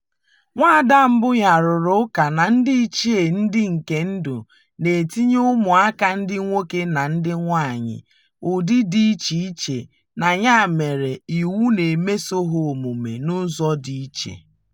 Nwaada Mbuya rụrụ ụka na ndịiche ndị nke ndụ na-etinye ụmụaka ndị nwoke na ndị nwaanyị na "ụdị dị iche iche" na ya mere, iwu na-emeso ha omume n'ụzọ dị iche.